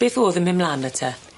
Beth o'dd yn myn' mlan nawr te?